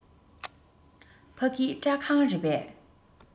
ཕ གི སྐྲ ཁང རེད པས